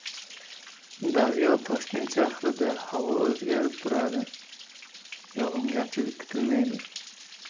daryo toshkent shahrida havo o'zgarib turadi yog'ingarchilik kutilmaydi